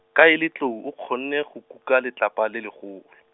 ka e le tlou o kgonne go kuka letlapa le legolo.